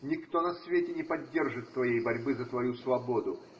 Никто на свете не поддержит твоей борьбы за твою свободу.